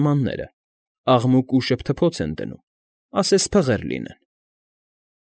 Նմանները, աղմուկ ու շփթփոց են դնում, ասես փղեր լինեն։